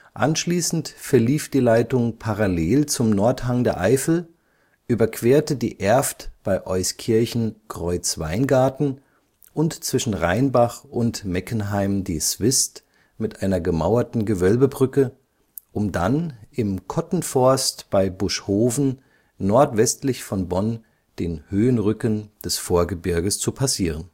Anschließend verlief die Leitung parallel zum Nordhang der Eifel, überquerte die Erft bei Euskirchen-Kreuzweingarten und zwischen Rheinbach und Meckenheim die Swist mit einer gemauerten Gewölbebrücke, um dann im Kottenforst bei Buschhoven, nordwestlich von Bonn, den Höhenrücken des Vorgebirges zu passieren